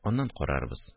Аннан карарбыз